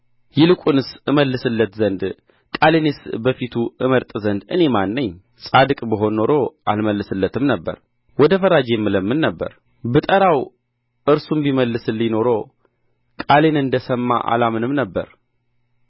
ይልቁንስ እመልስለት ዘንድ ቃሌንስ በፊቱ እመርጥ ዘንድ እኔ ማን ነኝ ጻድቅ ብሆን ኖሮ አልመልስለትም ነበር ወደ ፈራጄም እለምን ነበር ብጠራው እርሱም ቢመልስልኝ ኖሮ ቃሌን እንደ ሰማ አላምንም ነበር